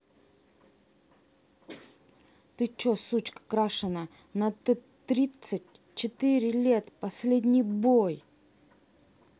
ты че сучка крашеная на т тридцать четыре лет последний бой